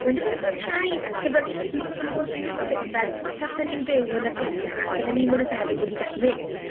I wonder beth oedd y Thai fe- tibod fel, ma'n swno mor stiwpid, ond fel, tasen ni'n byw yn agosach bydde ni mwy na thebyg wedi gallu mynd.